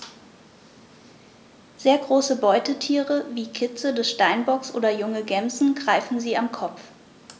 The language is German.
Sehr große Beutetiere wie Kitze des Steinbocks oder junge Gämsen greifen sie am Kopf.